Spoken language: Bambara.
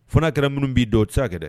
Fɔ n'a kɛra minnu b'i don o tɛ se ka dɛ